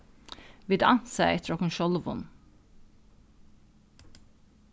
vit ansa eftir okkum sjálvum